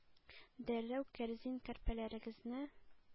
Дәррәү кәрзин, көрпәләрегезне